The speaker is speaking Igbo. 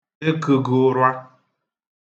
ekə̄gə̄urwa